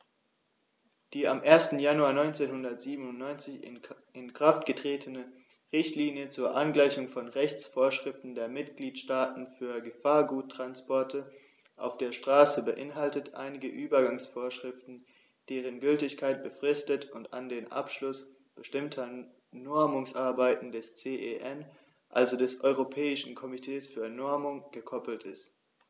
Die am 1. Januar 1997 in Kraft getretene Richtlinie zur Angleichung von Rechtsvorschriften der Mitgliedstaaten für Gefahrguttransporte auf der Straße beinhaltet einige Übergangsvorschriften, deren Gültigkeit befristet und an den Abschluss bestimmter Normungsarbeiten des CEN, also des Europäischen Komitees für Normung, gekoppelt ist.